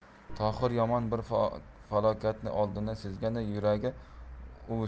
tohir yomon bir falokatni oldindan